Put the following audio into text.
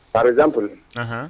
Padp